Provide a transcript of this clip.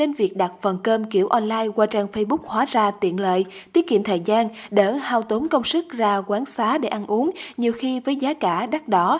nên việc đặt phần cơm kiểu on lai qua trang phây búc hóa ra tiện lợi tiết kiệm thời gian đỡ hao tốn công sức ra quán xá để ăn uống nhiều khi với giá cả đắt đỏ